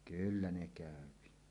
kyllä ne käy